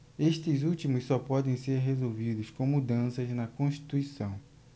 estes últimos só podem ser resolvidos com mudanças na constituição